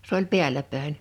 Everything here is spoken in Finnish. se oli päällä päin